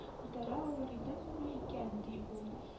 Күтәрә алыр идеңме икән? – ди ул